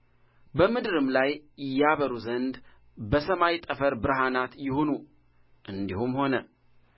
በምድር ላይ ያበሩ ዘንድ በሰማይ ጠፈር ብርሃናት ይሁኑ እንዲሁም ሆነ